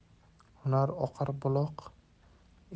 hunar oqar buloq